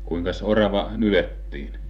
kuinkas orava nyljettiin